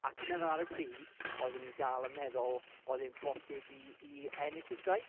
Ac dwi'n meddwl ar y pryd, oeddwn i dal yn meddwl oedd hi'n bosib i i ennill y streic.